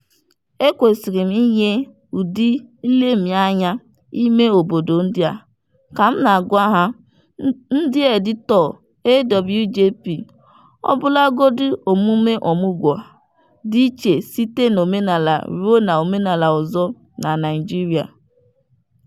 “Ekwesịrị m inye ụdị nlemianya imeobodo ndị a… Ka m na-agwa ha [ndị editọ AWJP] ọbụlagodi omume ọmụgwọ a dị iche site n'omenala ruo na omenala ọzọ na Naịjirịa.